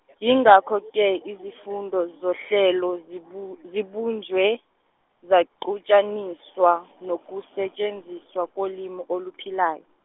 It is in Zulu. yingakho ke, izifundo zohlelo zibu- zibunjwe, zaxutshaniswa, nokusetshenziswa kolimi oluphilayo.